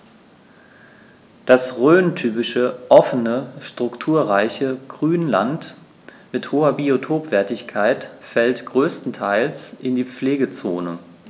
Das rhöntypische offene, strukturreiche Grünland mit hoher Biotopwertigkeit fällt größtenteils in die Pflegezone.